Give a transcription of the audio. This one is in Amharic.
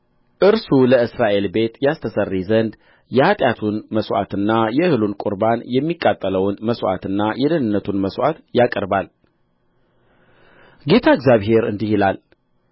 እርሱ ለእስራኤል ቤት ያስተሰርይ ዘንድ የኃጢአቱን መሥዋዕትና የእህሉን ቍርባን የሚቃጠለውን መሥዋዕትና የደኅንነቱን መሥዋዕት ያቀርባል ጌታ እግዚአብሔር እንዲህ ይላል